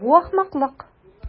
Бу ахмаклык.